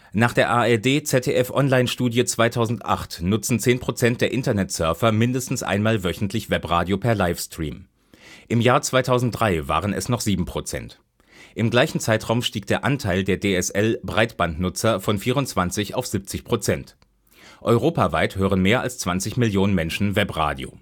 Nach der ARD/ZDF-Onlinestudie 2008 nutzen 10 % der Internetsurfer mindestens einmal wöchentlich Webradio per Livestream. Im Jahr 2003 waren es noch 7 %. Im gleichen Zeitraum stieg der Anteil der DSL -/ Breitbandnutzer von 24 % auf 70 %. Europaweit hören mehr als 20 Millionen Menschen Webradio